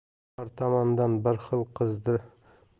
har tomondan bir xil qizitilgan go'sht bir